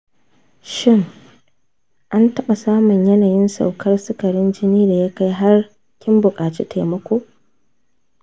shin an taɓa samun yanayin saukar sukarin jini da ya kai har kin bukaci taimako?